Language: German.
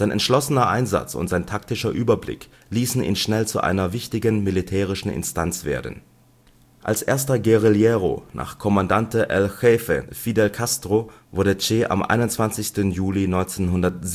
entschlossener Einsatz und sein taktischer Überblick ließen ihn schnell zu einer wichtigen militärischen Instanz werden. Als erster Guerillero nach Comandante en Jefe Fidel Castro wurde Che am 21. Juli 1957